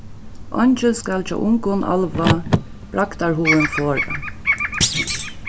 eingin skal hjá ungum alva bragdarhugin forða